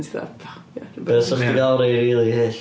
A ti fatha... Be os 'sech chdi'n gael rai really hyll.